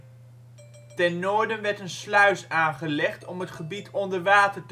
Ten noorden werd een sluis aangelegd om het gebied onder water